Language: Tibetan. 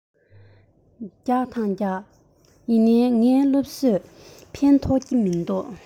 རྒྱག དང རྒྱག གི ཡོད ཡིན ནའི ངའི སློབ གསོས ཕན ཐོགས ཀྱི མི འདུག